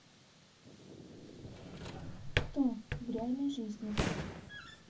кто в реальной жизни